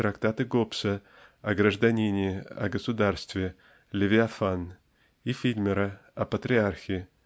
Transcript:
трактаты Гоббса "О гражданине" и о государстве "Левиафане" и Фильмера о "Патриархе"